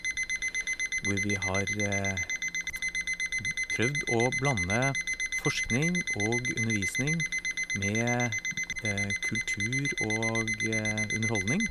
Hvor vi har prøvd å blande forskning og undervisning med kultur og underholdning.